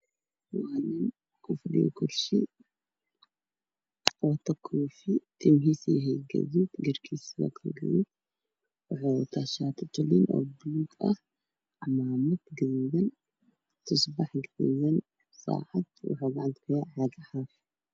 nin ku fadhiyo kursi wato koofid timahiisa yahay gaduud gartiisa yahay gaduud .wuxuu wataa shaati koliin oo gaduud ah camaamad gaduudan tusbax gaduudan saacad wuxuu gacanta Ku haayaa caad cadaan .